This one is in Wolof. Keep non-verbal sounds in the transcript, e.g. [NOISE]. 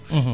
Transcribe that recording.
[HESITATION] [HESITATION]